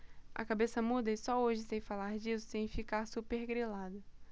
a cabeça muda e só hoje sei falar disso sem ficar supergrilada